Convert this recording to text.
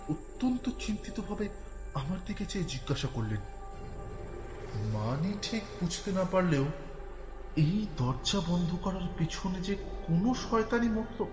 অত্যন্ত চিন্তিত ভাবে আমার দিকে চেয়ে জিজ্ঞাসা করলেন মানে ঠিক বুঝতে না পারলেও এই দরজা বন্ধ করার পেছনে যে কোন শয়তানি মতলব